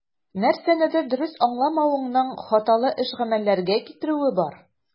Нәрсәнедер дөрес аңламавыңның хаталы эш-гамәлләргә китерүе бар.